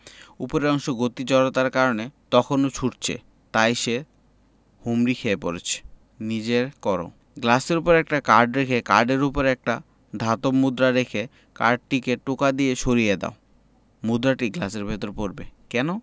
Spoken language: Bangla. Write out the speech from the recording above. ওপরের অংশ গতি জড়তার কারণে তখনো ছুটছে তাই সে হুমড়ি খেয়ে পড়ছে নিজে কর গ্লাসের উপর একটা কার্ড রেখে কার্ডের উপর একটা ধাতব মুদ্রা রেখে কার্ডটিকে টোকা দিয়ে সরিয়ে দাও মুদ্রাটি গ্লাসের ভেতর পড়বে কেন